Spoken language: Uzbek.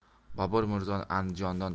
bobur mirzoni andijondan